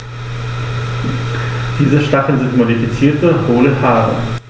Diese Stacheln sind modifizierte, hohle Haare.